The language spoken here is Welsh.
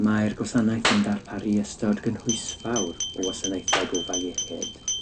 Mae'r Gwasanaeth yn darparu ystod gynhwysfawr o wasanaethau gofal iechyd